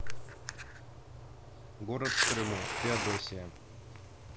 город в крыму феодосия